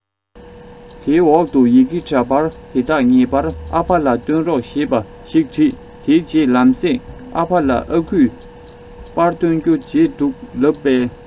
དེའི འོག ཏུ ཡི གེ འདྲ པར དེ དག ངེས པར ཨ ཕ ལ བཏོན རོགས ཞེས པ ཞིག བྲིས དེའི རྗེས ལམ སེང ཨ ཕ ལ ཨ ཁུས པར བཏོན རྒྱུ བརྗེད འདུག ལབ པས